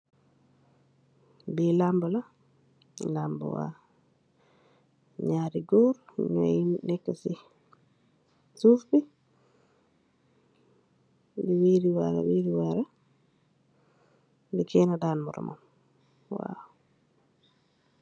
Bii lambu la, lambu waaw, nyaari goor nyooy neka si suff bi, di wiriwara wiriwara, ba kena daan moromam, Waaw.